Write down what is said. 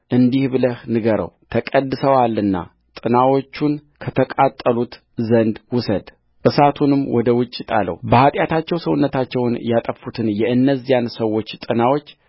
እንዲህ ብሎ ተናገረውለካህኑ ለአሮን ልጅ ለአልዓዛር እንዲህ ብለህ ንገረው ተቀድሰዋልና ጥናዎቹን ከተቃጠሉት ዘንድ ውሰድ እሳቱንም ወደ ውጭ ጣለውበኃጢአታቸው ሰውነታቸውን ያጠፉትን የእነዚያን ሰዎች ጥናዎች